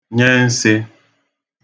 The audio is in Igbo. nye nsī